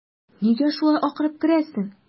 Нигә шулай акырып керәсең?